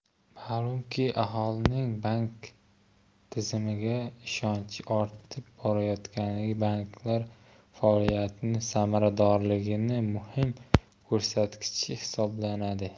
ma'lumki aholining bank tizimiga ishonchi ortib borayotgani banklar faoliyati samaradorligining muhim ko'rsatkichi hisoblanadi